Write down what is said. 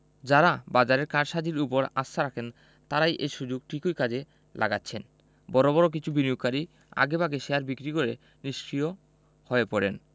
যাঁরা বাজারের কারসাজির ওপর আস্থা রাখেন তাঁরা এই সুযোগ ঠিকই কাজে লাগাচ্ছেন বড় বড় কিছু বিনিয়োগকারী আগেভাগে শেয়ার বিক্রি করে নিষ্ক্রিয় হয়ে পড়েন